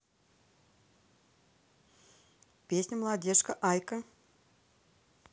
песня молодежка айко